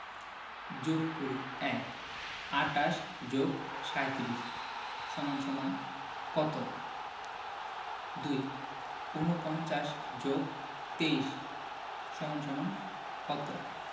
যোগ করিঃ ১ ২৮ + ৩৭ = কত ২ ৪৯ + ২৩ = কত